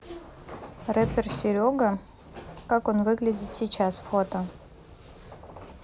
рэпер серега как он выглядит сейчас фото